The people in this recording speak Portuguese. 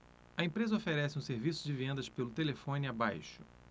a empresa oferece um serviço de vendas pelo telefone abaixo